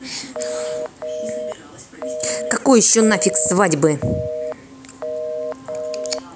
какой еще нафиг свадьбы